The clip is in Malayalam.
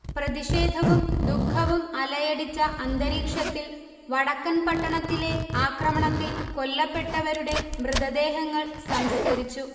പ്രതിഷേധവും ദുഃഖവും അലയടിച്ച അന്തരീക്ഷത്തിൽ വടക്കൻപട്ടണത്തിലെ ആക്രമണത്തിൽ കൊല്ലപ്പെട്ടവരുടെ മൃതദേഹങ്ങൾ സംസ്കരിച്ചു